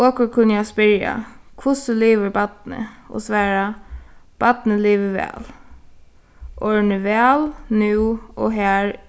okur kunna spyrja hvussu livir barnið og svara barnið livir væl orðini væl nú og har